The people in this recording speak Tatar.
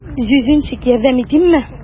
Зюзюнчик, ярдәм итимме?